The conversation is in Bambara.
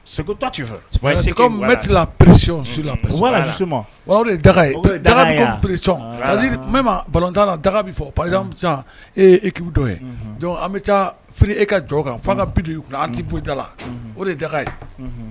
Seguɔnɔn e ekibi ye an bɛ taa e ka jɔ kan fo ka bi an tɛ bɔ la o de ye daga ye